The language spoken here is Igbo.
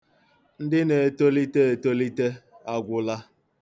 Ndị na-etolite etolite agwụla.